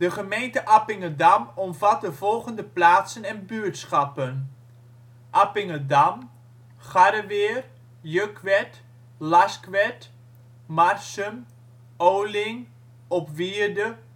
gemeente Appingedam omvat de volgende plaatsen en buurtschappen: Appingedam, Garreweer, Jukwerd, Laskwerd, Marsum, Oling, Opwierde